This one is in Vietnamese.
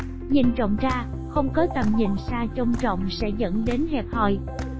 nhìn rộng ra không có tầm nhìn xa trông rộng sẽ dẫn đến hẹp hòi